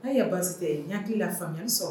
Haya baasi tɛ n hakili la faamuyali sɔrɔ